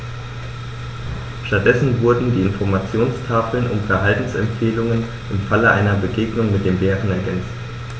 Stattdessen wurden die Informationstafeln um Verhaltensempfehlungen im Falle einer Begegnung mit dem Bären ergänzt.